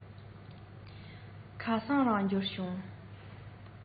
ཁ སང རང འབྱོར བྱུང